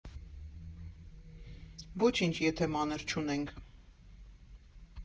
Ոչինչ, եթե մանր չունենք։